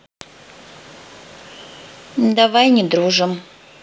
давно не дружим